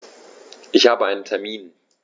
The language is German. Ich habe einen Termin.